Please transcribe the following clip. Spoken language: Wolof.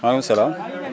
maaleykm salaam